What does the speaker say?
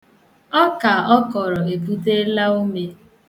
Ọka ọ kọrọ eputela ome.